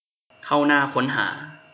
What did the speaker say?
เข้าหน้าค้นหา